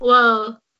Wel,